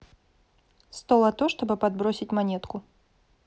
столото чтобы подбросить монетку